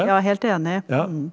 ja helt enig .